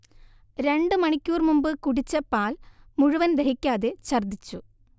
രണ്ടു മണിക്കൂർ മുമ്പ് കുടിച്ച പാൽ മുഴുവൻ ദഹിക്കാതെ ഛർദ്ദിച്ചു